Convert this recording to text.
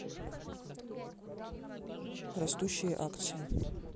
растущие акции